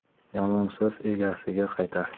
yomon so'z egasiga qaytar